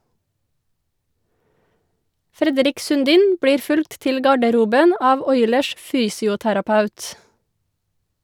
Fredrik Sundin blir fulgt til garderoben av Oilers' fysioterapeut.